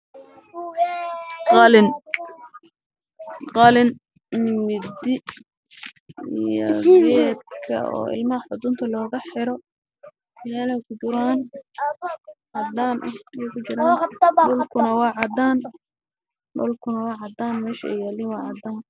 Baakad Oo ay ku jireen midi bahalka ilmaha looga xiro xudunta iyo qalab kale